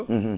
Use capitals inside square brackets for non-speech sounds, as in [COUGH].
[HESITATION] [HESITATION]